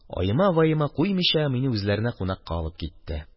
Аема-ваема куймыйча, мине үзләренә кунакка алып килде.